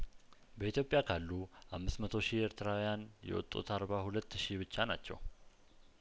በኢትዮጵያ ካሉ አምስት መቶ ሺ ኤርትራውያን የወጡት አርባ ሁለት ሺ ብቻ ናቸው